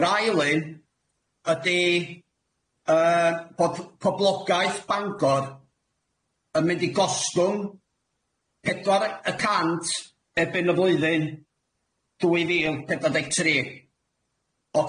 yr ail un ydi yym bod poblogaeth Bangor yn mynd i gosgwng pedwar y y cant erbyn y flwyddyn dwy fil pedwar deg tri o